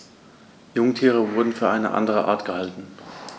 Jungtiere wurden für eine andere Art gehalten.